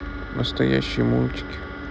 настоящие мультики